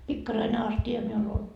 pikkarainen astia minulla oli